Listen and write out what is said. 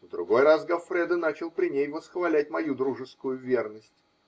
В другой раз Гоффредо начал при ней восхвалять мою дружескую верность